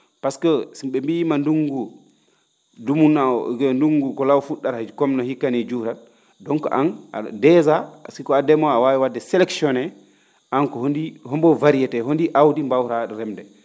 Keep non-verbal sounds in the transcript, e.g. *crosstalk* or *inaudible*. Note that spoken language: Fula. pasque so ?e mbiyii ma ndunngu dumunna o *hesitation* ndunngu ko law fu??ara comme no hikka nii juurat ?um ko aan a?o déjà si ko a ndemoowo a waawi wa?de sélectionné aan ko honndii homboo variété hondii aawdi mbaawaraa remde